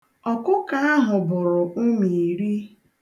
Ọkụkọ ahụ bụrụ ụmụ iri.